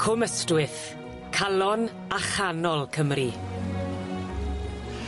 Cwm Ystwyth, calon a chanol Cymru.